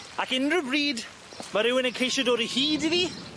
Ac unryw bryd, ma' rywun yn ceisio dod o hyd iddi